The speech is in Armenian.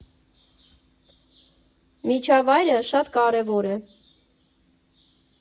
Միջավայրը շատ կարևոր է։